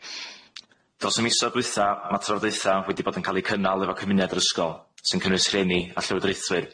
D'os y misoedd dwytha, ma' trafodaetha' wedi bod yn ca'l eu cynnal efo cymuned yr ysgol, sy'n cynnwys rhieni a llywodraethwyr.